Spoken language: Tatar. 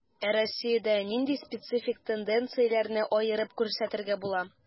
Ә Россиядә нинди специфик тенденцияләрне аерып күрсәтергә була?